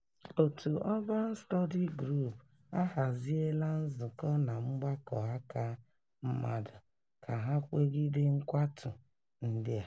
Òtù Urban Study Group ahaziela nzukọ na mgbakọ aka mmadụ ka ha kwegide nkwatu ndị a .